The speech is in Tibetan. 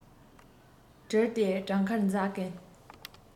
གྲིལ ཏེ བྲང ཁར འཛག གིན